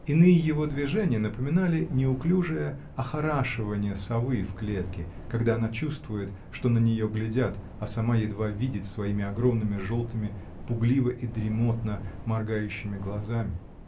Иные его движения напоминали неуклюжее охорашивание совы в клетке, когда она чувствует, что на нее глядят, а сама едва видит своими огромными, желтыми, пугливо и дремотно моргающими глазами.